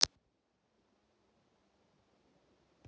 выйди на главную страницу